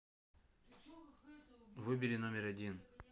выбери номер один